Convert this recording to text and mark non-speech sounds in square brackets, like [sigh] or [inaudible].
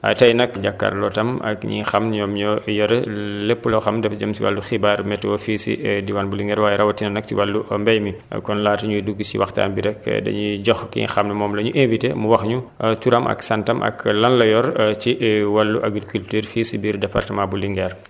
tey nag jàkkaarloo tam ak ñi nga xam ñoom ñoo yore lépp loo xam dafa jëm si wàllu xibaar météo fii ci diwaan bu Linguère waaye rawatina nag si wàllu mbéy mi kon laata ñuy dugg si waxtaan bi rek dañuy jox ki nga xam ne moom la ñu invité mu wax ñu [hesitation] turam ak santam ak lan la yor ci wàllu agriculture fii si biir département bu Linguère